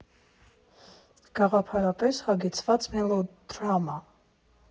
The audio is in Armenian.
Գաղափարապես հագեցված մելոդրամա։